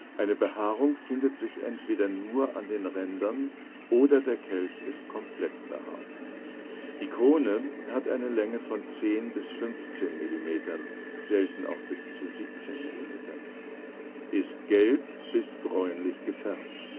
Eine Behaarung findet sich entweder nur an den Rändern oder der Kelch ist komplett behaart. Die Krone hat eine Länge von 12 bis 15 Millimetern (selten auch bis zu 17 Millimetern), ist gelb bis bräunlich-gelb gefärbt